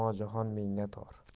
ammo jahon menga tor